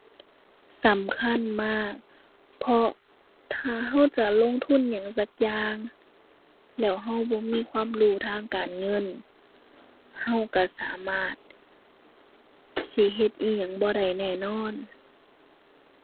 สำคัญมาก เพราะถ้าเราจะลงทุนหยังสักอย่าง แล้วเราบ่มีความรู้ทางการเงิน เราเราสามารถสิเฮ็ดอิหยังบ่ได้แน่นอน